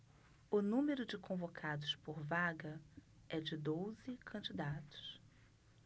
o número de convocados por vaga é de doze candidatos